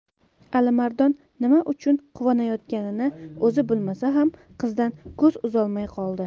alimardon nima uchun quvonayotganini o'zi bilmasa ham qizdan ko'z uzolmay qoldi